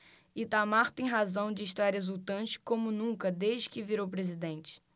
itamar tem razão de estar exultante como nunca desde que virou presidente